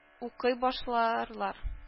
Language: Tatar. Укый башлаарлар